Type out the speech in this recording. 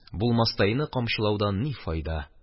Булмастайны камчылаудан ни файда?